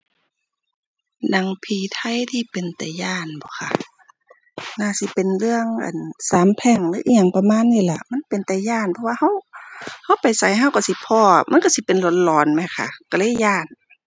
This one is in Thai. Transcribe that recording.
หนังผีไทยที่เป็นตาย้านบ่ค่ะ น่าสิเป็นเรื่อง อั่น สามแพร่งหรืออิหยังประมาณนี้ล่ะ มันเป็นตาย้านเพราะว่าเรา เราไปไสเราเราสิพ้อ มันเราสิเป็นหลอนหลอนแหมค่ะ เราเลยย้าน